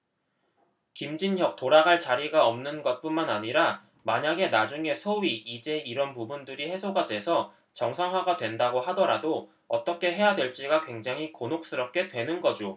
김진혁 돌아갈 자리가 없는 것뿐만 아니라 만약에 나중에 소위 이제 이런 부분들이 해소가 돼서 정상화가 된다고 하더라도 어떻게 해야 될지가 굉장히 곤혹스럽게 되는 거죠